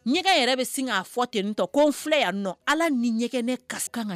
Ɲɛgɛn yɛrɛ bi sin ka fɔ ten tɔ ko n fila ya nɔ. Ala ni ɲɛgɛnɛ kasa k